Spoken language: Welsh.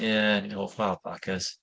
Ie, fi'n hoff o alpacas.